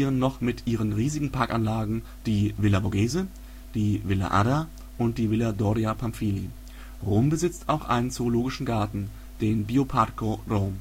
noch mit ihren riesigen Parkanlagen Villa Borghese, Villa Ada und Villa Doria Pamphili. Rom besitzt auch einen zoologischen Garten, den Bioparco Rom